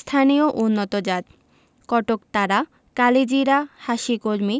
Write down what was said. স্থানীয় উন্নতজাতঃ কটকতারা কালিজিরা হাসিকলমি